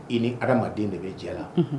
I ni hadamaden de bɛ jɛ la